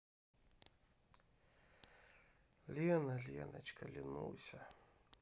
лена леночка ленуся